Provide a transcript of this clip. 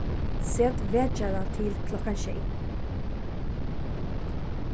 set vekjara til klokkan sjey